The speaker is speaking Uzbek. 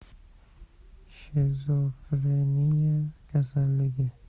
shezofreniya kasalligi